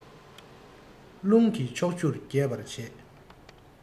རླུང གིས ཕྱོགས བཅུར རྒྱས པར བྱེད